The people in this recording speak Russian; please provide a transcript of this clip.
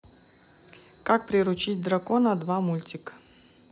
как приручить дракона два мультик